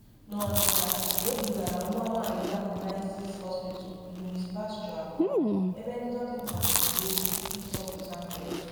Na ọdịda na ebugala nwa nwanyị ya na Nice’s Hospital Louis Pasteur 2, ebe ndị dọkịnta rụrụ n’efu iji zọpụta ndụ ya.